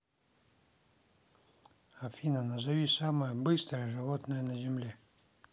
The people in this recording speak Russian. афина назови самое быстрое животное на земле